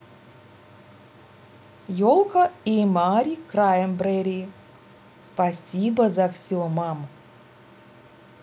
елка и мари краймбрери спасибо за все мам